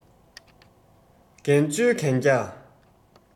འགན བཅོལ གན རྒྱ